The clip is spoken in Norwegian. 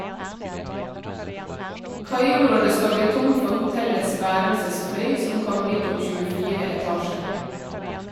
Kaiområdet skal bli tomt for hotellets værelsesfløy, som kan bli på 24 etasjer.